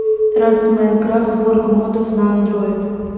rust в minecraft сборка модов на андроид